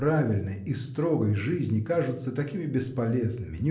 правильной и строгой жизни кажутся такими бесполезными